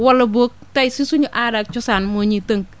wala boog tey si suñu aadaag cosaan moo ñuy tënk